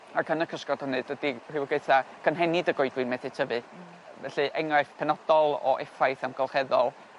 Ac yn y cysgod hynny dydi rhywogaetha cynhenid y goedwi methu tyfu. Hmm. Felly enghraifft penodol o effaith amgylcheddol